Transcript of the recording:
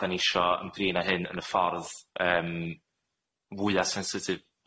'dan ni isho ymdrin â hyn yn y ffordd yym fwya' sensitif